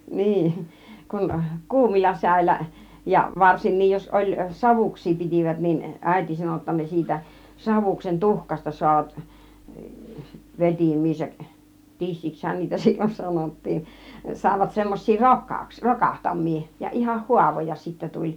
niin kun kuumilla säillä ja varsinkin jos oli savuksia pitivät niin äiti sanoi jotta ne siitä savuksen tuhkasta saavat vetimiinsä tissiksihän niitä silloin sanottiin saivat semmoisia - rokahtamia ja ihan haavoja sitten tuli